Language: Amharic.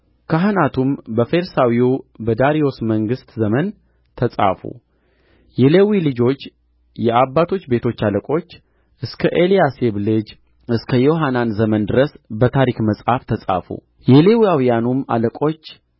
ካህናቱም በፋርሳዊው በዳርዮስ መንግሥት ዘመን ተጻፉ የሌዊ ልጆች የአባቶች ቤቶች አለቆች እስከ ኤልያሴብ ልጅ እስከ ዮሐናን ዘመን ድረስ በታሪክ መጽሐፍ ተጻፉ የሌዋውያኑም አለቆች